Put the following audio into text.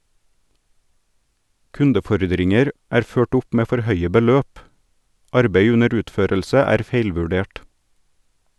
Kundefordringer er ført opp med for høye beløp, arbeid under utførelse er feilvurdert.